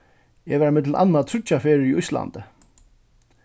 eg var millum annað tríggjar ferðir í íslandi